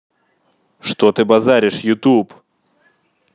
что ты базаришь youtube